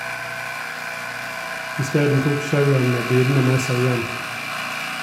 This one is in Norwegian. Isteden tok sjauerne bilene med seg hjem.